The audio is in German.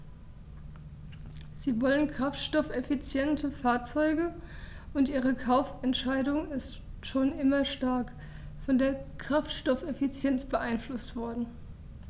Sie wollen kraftstoffeffiziente Fahrzeuge, und ihre Kaufentscheidung ist schon immer stark von der Kraftstoffeffizienz beeinflusst worden.